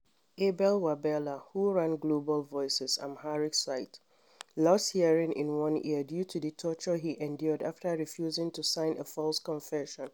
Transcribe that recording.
Abel Wabella, who ran Global Voices’ Amharic site, lost hearing in one ear due to the torture he endured after refusing to sign a false confession.